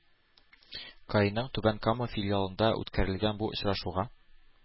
Каиның түбән кама филиалында үткәрелгән бу очрашуга